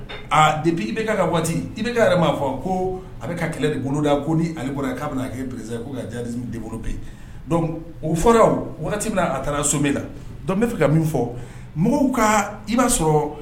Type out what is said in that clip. De i bɛka ka waati i bɛ yɛrɛ ma fɔ ko a bɛ ka kɛlɛ de goloda ko niale kɔrɔ k'a bɛ' pere ko ka ja de bɛ yen o fɔra waati min a taara so min la dɔn bɛ fɛ ka min fɔ mɔgɔw ka i b'a sɔrɔ